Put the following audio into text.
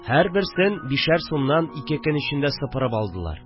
Һәрберсен бишәр сумнан ике көн эчендә сыпырып алдылар